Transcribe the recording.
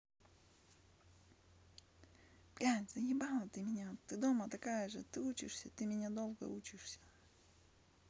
блять заебала ты меня ты дома такая же ты учишься ты меня долго учишься